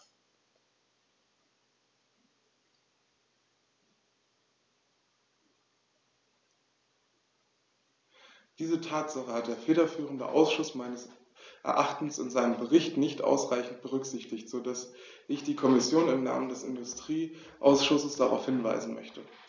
Diese Tatsache hat der federführende Ausschuss meines Erachtens in seinem Bericht nicht ausreichend berücksichtigt, so dass ich die Kommission im Namen des Industrieausschusses darauf hinweisen möchte.